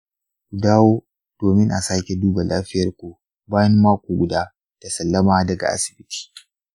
ku dawo domin a sake duba lafiyar ku bayan mako guda da sallama daga asibiti.